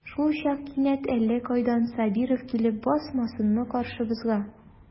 Шулчак кинәт әллә кайдан Сабиров килеп басмасынмы каршыбызга.